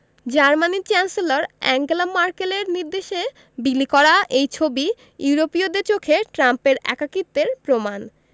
জার্মানির chancellor Angela ম্যার্কেলের নির্দেশে বিলি করা এই ছবি ইউরোপীয়দের চোখে ট্রাম্পের একাকিত্বের প্রমাণ